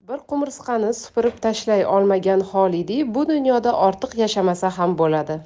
bir qumursqani supurib tashlay olmagan xolidiy bu dunyoda ortiq yashamasa ham bo'ladi